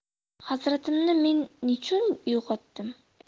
hazratimni men nechun uyg'otdim